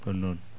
ko noon